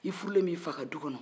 i furulen bi fa ka du kɔnɔ